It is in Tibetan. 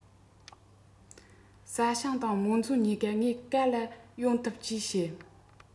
ས ཞིང དང རྨོན མཛོ གཉིས ཀ ངས ག ལ ཡོང ཐུབ ཅེས བཤད